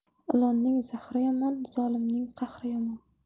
ilonning zahri yomon zolimning qahri yomon